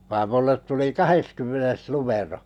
vaan minulle tuli kahdeskymmenes numero